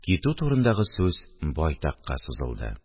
Китү турындагы сүз байтакка сузылды